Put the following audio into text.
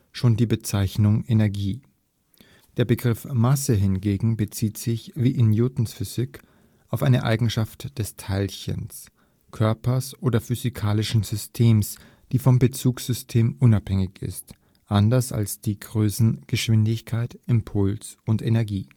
schon die Bezeichnung Energie. Der Begriff Masse hingegen bezieht sich, wie in Newtons Physik, auf eine Eigenschaft des Teilchens, Körpers oder physikalischen Systems, die vom Bezugssystem unabhängig ist, anders als die Größen Geschwindigkeit, Impuls und Energie